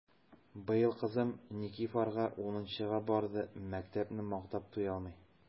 Быел кызым Никифарга унынчыга барды— мәктәпне мактап туялмый!